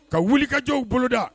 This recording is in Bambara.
Ka wuli kajɔw boloda